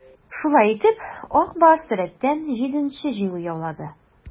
Шулай итеп, "Ак Барс" рәттән җиденче җиңү яулады.